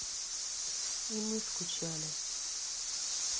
и мы скучали